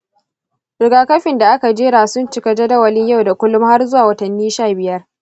rigakafin da aka jera sun cika jadawalin yau da kullum har zuwa watanni sha biyar.